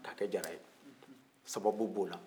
ka a kɛ jara ye sababu bola